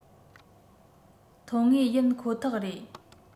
ཐོན ངེས ཡིན ཁོ ཐག རེད